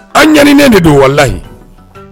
An ɲanien de don walanyi